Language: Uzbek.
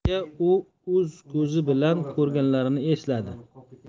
kecha u o'z ko'zi bilan ko'rganlarini esladi